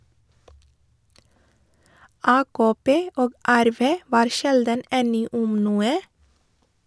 AKP og RV var sjelden enig om noe.